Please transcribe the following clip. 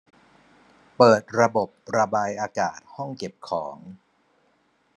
เปิดระบบระบายอากาศห้องเก็บของ